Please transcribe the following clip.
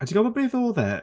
A ti'n gwybod beth oedd e?